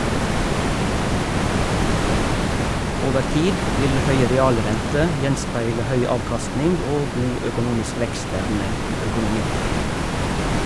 Over tid vil høy realrente gjenspeile høy avkastning og god økonomisk vekstevne i økonomien.